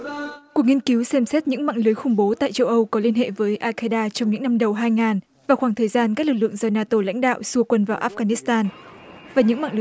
cuộc nghiên cứu xem xét những mạng lưới khủng bố tại châu âu có liên hệ với a cây đa trong những năm đầu hai ngàn vào khoảng thời gian các lực lượng do na tô lãnh đạo xua quân vào ác sa nít tan và những mạng lưới